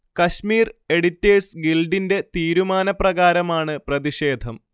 Kashmir editors ഗിൽഡിന്റെ തീരുമാനപ്രകാരമാണ് പ്രതിഷേധം